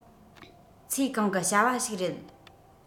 ཚེ གང གི བྱ བ ཞིག རེད